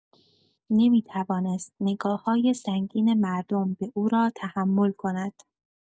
نمی‌توانست نگاه‌های سنگین مردم به او را تحمل کند.